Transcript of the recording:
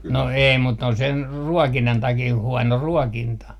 no ei mutta ne on sen ruokinnan takia huono ruokinta